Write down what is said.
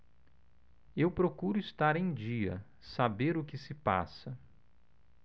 eu procuro estar em dia saber o que se passa